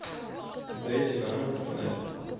дайте нам интернет